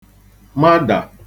madà